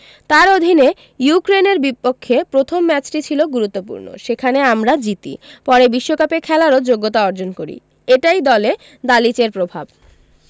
তাঁর অধীনে ইউক্রেনের বিপক্ষে প্রথম ম্যাচটি ছিল গুরুত্বপূর্ণ সেখানে আমরা জিতি পরে বিশ্বকাপে খেলারও যোগ্যতা অর্জন করি এটাই দলে দালিচের প্রভাব